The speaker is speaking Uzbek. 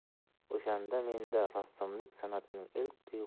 o'shanda menda rassomlik san'atining